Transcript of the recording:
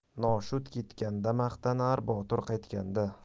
noshud ketganda maqtanar botir qaytganda